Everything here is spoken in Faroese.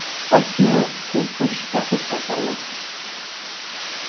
eitt nú til fríska fiskasølu